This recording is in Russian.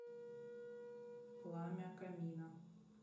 пламя камина